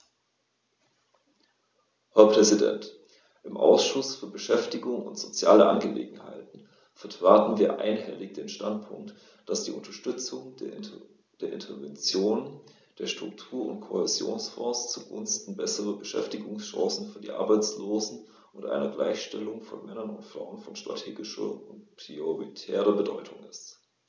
Herr Präsident, im Ausschuss für Beschäftigung und soziale Angelegenheiten vertraten wir einhellig den Standpunkt, dass die Unterstützung der Interventionen der Struktur- und Kohäsionsfonds zugunsten besserer Beschäftigungschancen für die Arbeitslosen und einer Gleichstellung von Männern und Frauen von strategischer und prioritärer Bedeutung ist.